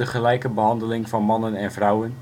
gelijke behandeling van mannen en vrouwen